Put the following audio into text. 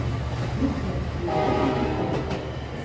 песня забирай меня скорей